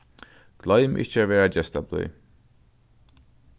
gloymið ikki at vera gestablíð